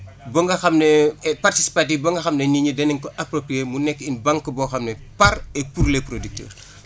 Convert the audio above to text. ba nga xam ne et participative ba nga xam ne nit ñi danañ ko approprier mu nekk une banque boo xam ne par et pour les producteurs